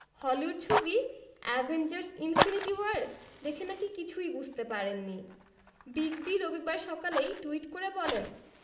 Hollywood ছবি Avengers Infinity War দেখে নাকি কিছুই বুঝতে পারেননি বিগ বি রবিবার সকালেই টুইট করে বলেন